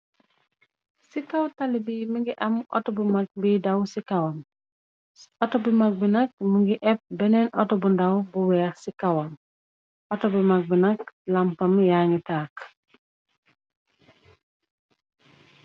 Ci kaw tali bi mu ngi am oto bu mag bi daw ci kawam, ato bu mag bi nag mu ngi épp beneen oto bu ndaw bu weex ci kawam, oto bu mag bi nag lampam ya ngi takk.